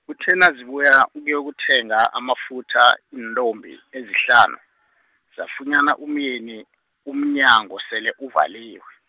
kuthe nazibuya, ukuyokuthenga amafutha, iintombi ezihlanu, zafunyana umyeni, umnyango sele uvali- .